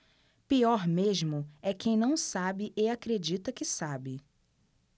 pior mesmo é quem não sabe e acredita que sabe